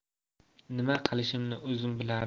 nima qilishimni o'zim bilardim